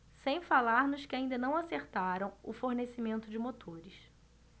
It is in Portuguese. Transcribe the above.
sem falar nos que ainda não acertaram o fornecimento de motores